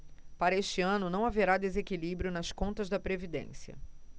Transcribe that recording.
para este ano não haverá desequilíbrio nas contas da previdência